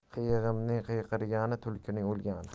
qiyg'iming qiyqirgani tulkining o'lgani